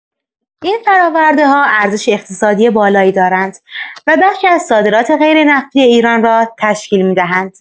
این فرآورده‌ها ارزش اقتصادی بالایی دارند و بخشی از صادرات غیرنفتی ایران را تشکیل می‌دهند.